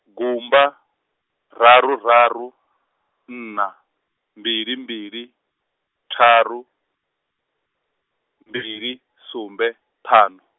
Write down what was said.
gumba, raru raru, nṋa, mbili mbili, ṱharu, mbili, sumbe, ṱhanu.